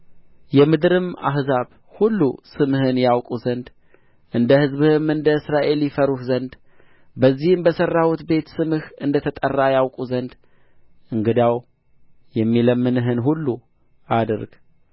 የምድርም አሕዛብ ሁሉ ስምህን ያውቁ ዘንድ እንደ ሕዝብህም እንደ እስራኤል ይፈሩህ ዘንድ በዚህም በሠራሁት ቤት ስምህ እንደ ተጠራ ያውቁ ዘንድ እንግዳው የሚለምንህን ሁሉ አድርግ